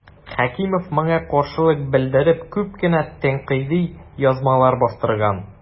Хәкимов моңа каршылык белдереп күп кенә тәнкыйди язмалар бастырган.